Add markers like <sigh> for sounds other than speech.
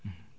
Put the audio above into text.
<hesitation> <hesitation>